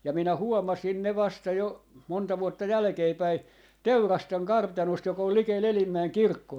ja minä huomasin ne vasta jo monta vuotta jälkeenpäin Teurasten kartanosta joka on likellä Elimäen kirkkoa